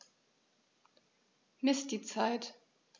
Miss die Zeit.